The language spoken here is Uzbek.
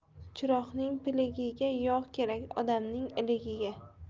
chiroqning piligiga yog' kerak odamning iligiga